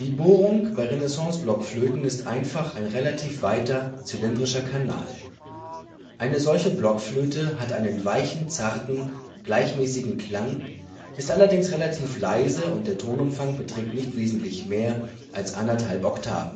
Bohrung bei Renaissance-Blockflöten ist einfach ein relativ weiter, zylindrischer Kanal. Eine solche Blockflöte hat einen weichen, zarten, gleichmäßigen Klang, ist allerdings relativ leise, und der Tonumfang beträgt nicht wesentlich mehr als 1½ Oktaven